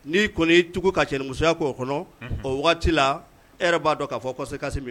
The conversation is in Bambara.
N'i kɔni tugu ka cɛmusoya k' oo kɔnɔ o wagati la e b'a dɔn k'a fɔ kɔ se minɛ